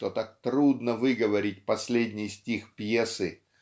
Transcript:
что так трудно выговорить последний стих пьесы